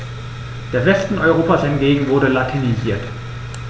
Der Westen Europas hingegen wurde latinisiert.